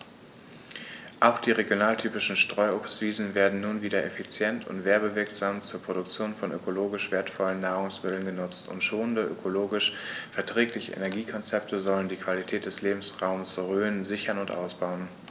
Auch die regionaltypischen Streuobstwiesen werden nun wieder effizient und werbewirksam zur Produktion von ökologisch wertvollen Nahrungsmitteln genutzt, und schonende, ökologisch verträgliche Energiekonzepte sollen die Qualität des Lebensraumes Rhön sichern und ausbauen.